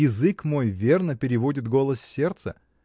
язык мой верно переводит голос сердца.